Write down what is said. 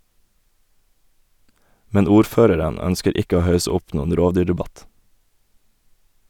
Men ordføreren ønsker ikke å hausse opp noen rovdyrdebatt.